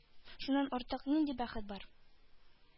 Шуннан артык нинди бәхет бар?!